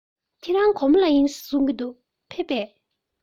ཁྱེད རང གོར མོ ལ འགྲོ རྒྱུ ཡིན གསུང པས ཕེབས སོང ངམ